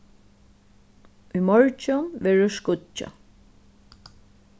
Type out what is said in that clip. í morgin verður skýggjað